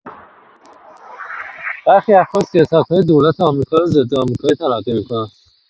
برخی افراد سیاست‌های دولت آمریکا را ضدآمریکایی تلقی می‌کنند.